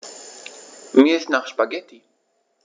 Mir ist nach Spaghetti.